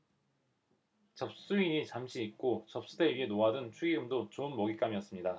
접수인이 잠시 잊고 접수대 위에 놓아둔 축의금도 좋은 먹잇감이었습니다